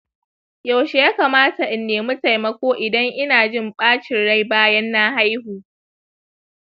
yaushe ya kamata in nemi taimako idan inajin bacin rai bayan na haihu